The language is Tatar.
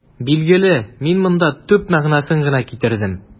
Билгеле, мин монда төп мәгънәсен генә китердем.